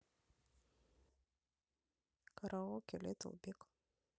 караоке литл биг